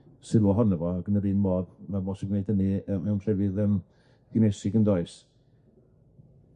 sylw ohono fo, ag yn yr un modd ma'n bosib wneud hynny yy mewn llefydd yym dinesig yndoes?